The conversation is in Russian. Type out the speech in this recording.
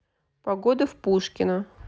погода в пушкино